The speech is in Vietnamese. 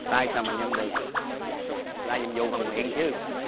tay sao mà nhanh được ra nhiệm vụ bằng miệng chứ